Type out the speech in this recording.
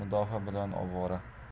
mudofaa bilan ovora